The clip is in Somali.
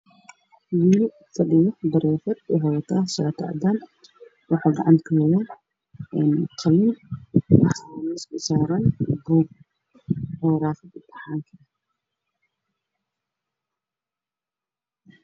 Wiilal fadhiya qabana shati cadan ah iyo wara qadi imti xanka